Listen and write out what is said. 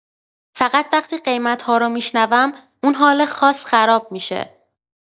فقط وقتی قیمت‌ها رو می‌شنوم، اون حال خاص خراب می‌شه.